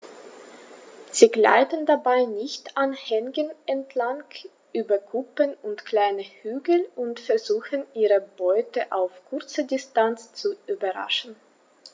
Sie gleiten dabei dicht an Hängen entlang, über Kuppen und kleine Hügel und versuchen ihre Beute auf kurze Distanz zu überraschen.